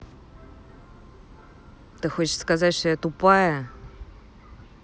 ты хочешь сказать что я тупая